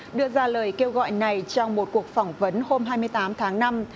đưa ra lời kêu gọi này trong một cuộc phỏng vấn hôm hai mươi tám tháng năm